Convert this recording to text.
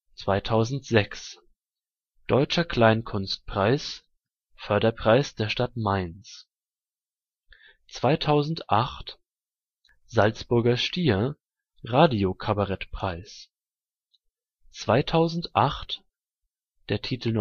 2006: Deutscher Kleinkunstpreis: Förderpreis der Stadt Mainz 2008: Salzburger Stier: Radio-Kabarettpreis 2008: Der Titel